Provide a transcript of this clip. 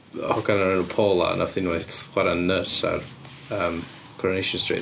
Hogan o'r enw Paula wnaeth unwaith chwarae nyrs ar Coronation Street.